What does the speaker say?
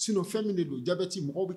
S fɛn min de don ja bɛti